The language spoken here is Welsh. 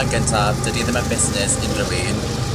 yn gyntaf, dydy e ddim yn busnes unryw un